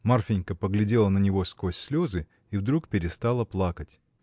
Марфинька поглядела на него сквозь слезы и вдруг перестала плакать.